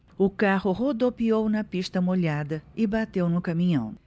o carro rodopiou na pista molhada e bateu no caminhão